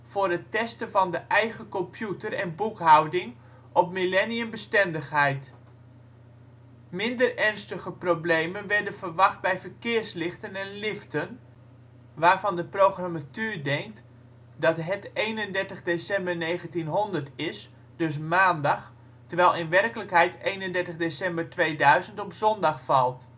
voor het testen van de eigen computer en boekhouding op millenniumbestendigheid. Minder ernstige problemen werden verwacht bij verkeerslichten en liften, waarvan de programmatuur denkt dat 31 december 1900 is (dus maandag) terwijl in werkelijkheid 31 december 2000 op zondag valt